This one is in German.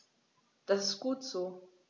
Das ist gut so.